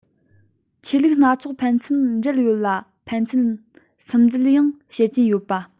ཆོས ལུགས སྣ ཚོགས ཕན ཚུན འབྲེལ ཡོད ལ ཕན ཚུན སིམ འཛུལ ཡང བྱེད ཀྱིན ཡོད པ